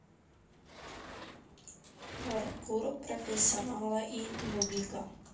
паркур профессионала и нубика